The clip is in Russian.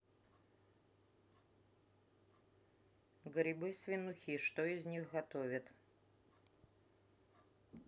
грибы свинухи что из них готовят